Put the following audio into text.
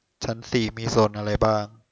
ชั้นสี่มีโซนอะไรบ้าง